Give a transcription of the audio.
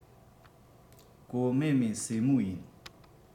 ཀུའོ མའེ མའེ སྲས མོ ཡིན